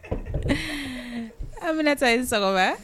An bɛna ta i sago